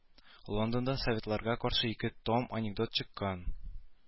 Лондонда советларга каршы ике том анекдот чыккан